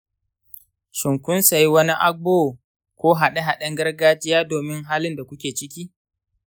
shin kun sayi wani agbo ko haɗe-haɗen gargajiya domin halin da kuke ciki?